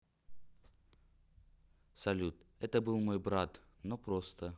салют это был мой брат он просто